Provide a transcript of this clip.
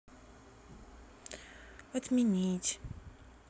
отменить